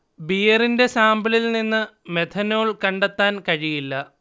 ബിയറിന്റെ സാമ്പിളിൽ നിന്ന് മെഥനൊൾ കണ്ടെത്താൻ കഴിയില്ല